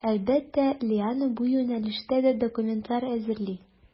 Әлбәттә, Лиана бу юнәлештә дә документлар әзерли.